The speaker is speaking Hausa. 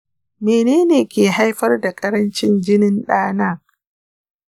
menene ke haifar da ƙarancin jinin ɗana?